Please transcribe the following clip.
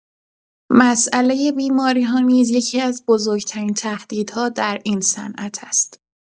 مسئله بیماری‌ها نیز یکی‌از بزرگ‌ترین تهدیدها در این صنعت است.